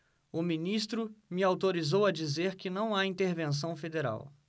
o ministro me autorizou a dizer que não há intervenção federal